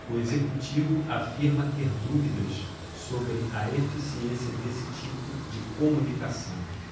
o executivo afirma ter dúvidas sobre a eficiência desse tipo de comunicação